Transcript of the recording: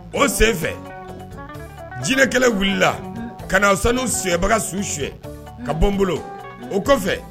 O senfɛ jinɛinɛkɛla wulila ka na sanu sɛbaga su su ka bɔ n bolo o kɔfɛ